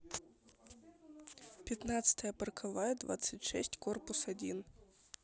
пятнадцатая парковая двадцать шесть корпус один